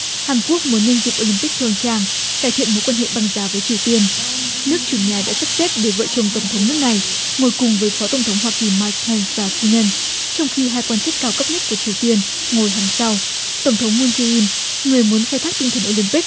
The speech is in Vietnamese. hàn quốc muốn nhân dịp ô lim pích pương chang cải thiện mối quan hệ băng giá với triều tiên nước chủ nhà đã sắp xếp để vợ chồng tổng thống nước này ngồi cùng với phó tổng thống hoa kỳ mai pen và phu nhân trong khi hai quan chức cao cấp nhất của triều tiên ngồi hàng sau tổng thống mun chê in người muốn khai thác tinh thần ô lim pích